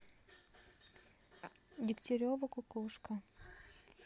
дегтярева кукушка